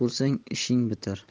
bo'lsang ishing bitar